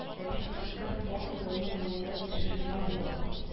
Әби күрсәткән фото елның маенда төшерелгән була